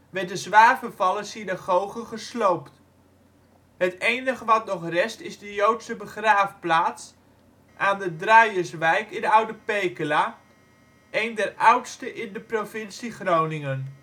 werd de zwaar vervallen synagoge gesloopt. Het enige wat nog rest is de Joodse begraafplaats aan de Draijerswijk in Oude Pekela, een der oudste in de provincie Groningen